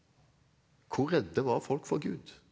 hvor redde var folk for gud?